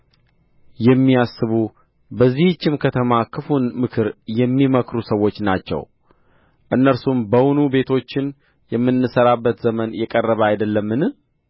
የሚያስቡ በዚህችም ከተማ ክፉን ምክር የሚመክሩ ሰዎች ናቸው እነርሱም በውኑ ቤቶችን የምንሠራበት ዘመን የቀረበ አይደለምን